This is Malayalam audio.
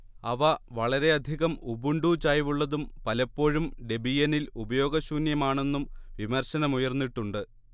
അവ വളരെയധികം ഉബുണ്ടു ചായ്വുള്ളതും പലപ്പോഴും ഡെബിയനിൽ ഉപയോഗശൂന്യമാണെന്നും വിമർശനമുയർന്നിട്ടുണ്ട്